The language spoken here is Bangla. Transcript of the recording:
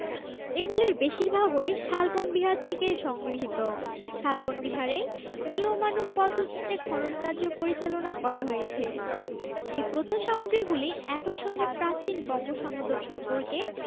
এগুলির বেশিরভাগই শালবন বিহার থেকে সংগৃহীত শালবন বিহারেই নিয়মানুগ পদ্ধতিতে খননকার্য পরিচালনা করা হয়েছে এই প্রত্নসামগ্রীগুলি একই সাথে প্রাচীন বঙ্গ সমতট সম্পর্কে